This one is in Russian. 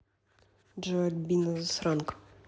джой альбина засранка